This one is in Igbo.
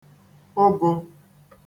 ụgụ